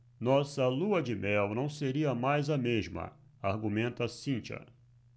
nossa lua-de-mel não seria mais a mesma argumenta cíntia